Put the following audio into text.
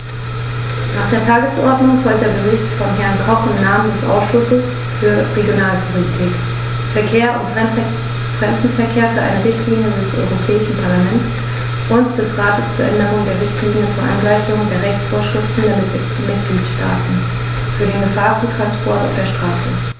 Nach der Tagesordnung folgt der Bericht von Herrn Koch im Namen des Ausschusses für Regionalpolitik, Verkehr und Fremdenverkehr für eine Richtlinie des Europäischen Parlament und des Rates zur Änderung der Richtlinie zur Angleichung der Rechtsvorschriften der Mitgliedstaaten für den Gefahrguttransport auf der Straße.